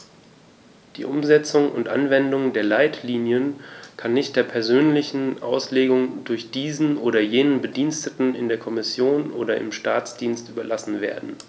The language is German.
Die Umsetzung und Anwendung der Leitlinien kann nicht der persönlichen Auslegung durch diesen oder jenen Bediensteten in der Kommission oder im Staatsdienst überlassen werden.